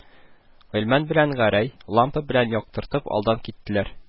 Гыйльман белән Гәрәй, лампа белән яктыртып, алдан киттеләр